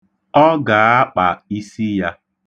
Ọ ga-akpa isi ya.